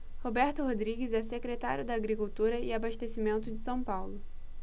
roberto rodrigues é secretário da agricultura e abastecimento de são paulo